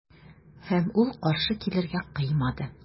Һәм ул каршы килергә кыймады.